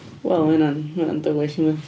Wel, ma' hwnna'n- ma' hwnna'n dywyll dydi?